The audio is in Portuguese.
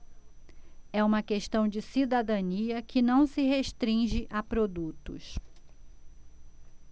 é uma questão de cidadania que não se restringe a produtos